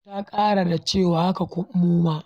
Ta ƙara da cewa, "Haka muma".